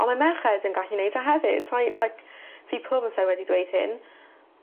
on' mae merched yn gallu neud o hefyd so I like fi pob amser wedi dweud hyn.